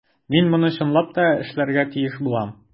Мин моны чынлап та эшләргә тиеш булам.